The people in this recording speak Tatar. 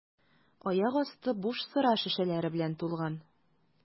Аяк асты буш сыра шешәләре белән тулган.